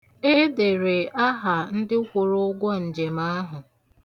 Edere aha ndị kwụrụ ụgwọ njem ahụ.